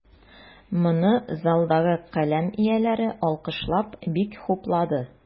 Моны залдагы каләм ияләре, алкышлап, бик хуплады.